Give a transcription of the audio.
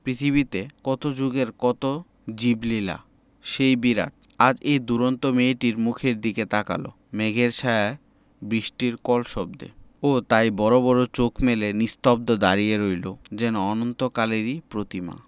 পৃথিবীতে কত যুগের কত জীবলীলা সেই বিরাট আজ এই দুরন্ত মেয়েটির মুখের দিকে তাকাল মেঘের ছায়ায় বৃষ্টির কলশব্দে ও তাই বড় বড় চোখ মেলে নিস্তব্ধ দাঁড়িয়ে রইল যেন অনন্তকালেরই প্রতিমা